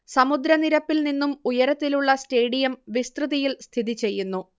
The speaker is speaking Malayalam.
സമുദ്ര നിരപ്പിൽ നിന്നും ഉയരത്തിലുള്ള സ്റ്റേഡിയം വിസ്തൃതിയിൽ സ്ഥിതിചെയ്യുന്നു